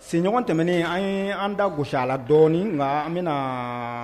Senɲɔgɔn tɛmɛnen an ye an dago la dɔɔnin nka anmina na